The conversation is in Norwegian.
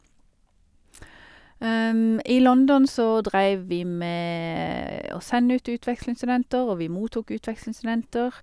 I London så dreiv vi med å sende ut utvekslingsstudenter, og vi mottok utvekslingsstudenter.